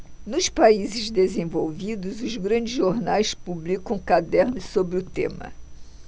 nos países desenvolvidos os grandes jornais publicam cadernos sobre o tema